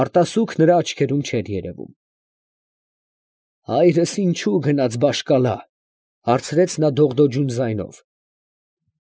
Արտասուք նրա աչքերում չէր երևում։ ֊ Հայրս ի՞նչու գնաց Բաշ֊Կալա, ֊ հարցրեց նա դողդոջուն ձայնով։ ֊